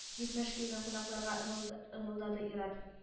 — дип, мәш килгән кунакларга ымылда ымлады ир-ат